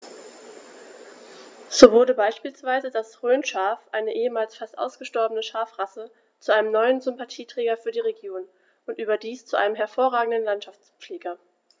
So wurde beispielsweise das Rhönschaf, eine ehemals fast ausgestorbene Schafrasse, zu einem neuen Sympathieträger für die Region – und überdies zu einem hervorragenden Landschaftspfleger.